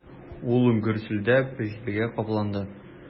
Ул гөрселдәп җиргә капланды.